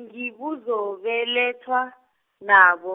ngibuzobelethwa nabo,